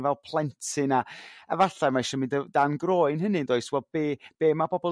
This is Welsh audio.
fel plentyn a efallai ma' isio mynd ef- dan groen hynny 'ndoes? Wel be' be' ma' bobl